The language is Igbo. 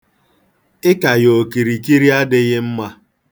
Ịka ya okirikiri adịghị mma.